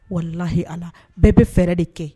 Walalahi a la bɛɛ bɛ fɛɛrɛ de kɛ